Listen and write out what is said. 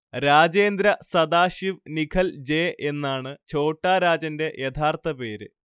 Rajendra Sadashiv Nikhalje യെന്നാണ് ഛോട്ടാ രാജന്റെ യഥാർത്ഥ പേര്